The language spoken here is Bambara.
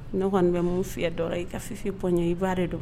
Ne kɔni bɛ maaw fiya dɔrɔn i ka fifi pɔn i b'a de don